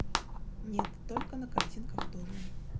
нет только на картинках тоже